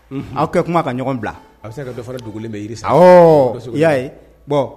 Aw kɛ kuma ka ɲɔgɔn bila a bɛ se ka dɔra dugu bɛ jiri sa i y'a ye